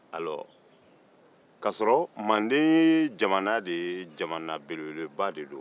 alɔre karɔrɔ manden ye jamana de ye jamana belebeleba de don